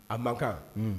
A man